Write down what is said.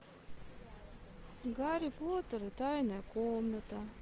гарри поттер и тайная комната